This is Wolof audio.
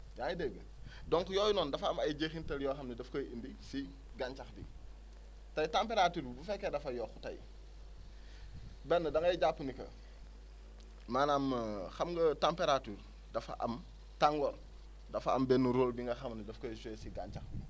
yaa ngi dégg donc yooyu noonu dafa am ay njeexintal yoo xam ni daf koy indi si gàncax gi tey température bi bu fekkee dafa yokku tey benn da ngay jàpp ni que maanaam xam nga température dafa am tàngoor dafa am benn rôle bi nga xame ni daf koy joué si gàncax bi